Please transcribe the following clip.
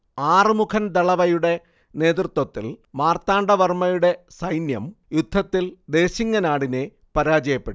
ആറുമുഖൻ ദളവയുടെ നേതൃത്വത്തിൽ മാർത്താണ്ഡവർമ്മയുടെ സൈന്യം യുദ്ധത്തിൽ ദേശിങ്ങനാടിനെ പരാജയപ്പെടുത്തി